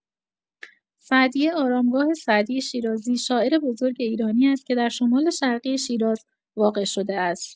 سعدیه، آرامگاه سعدی شیرازی، شاعر بزرگ ایرانی است که در شمال‌شرقی شیراز واقع شده است.